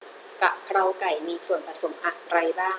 กะเพราไก่มีส่วนผสมอะไรบ้าง